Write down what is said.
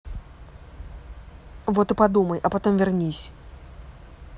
вот и подумай а потом вернись